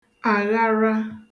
àghara